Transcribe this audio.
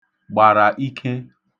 gbàrà ik̇e